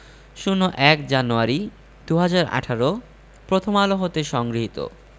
০১ January ২০১৮ Prothom Alo হতে সংগৃহীত